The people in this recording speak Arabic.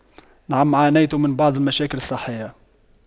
نعم عانيت من بعض المشاكل الصحية